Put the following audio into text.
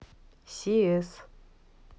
cs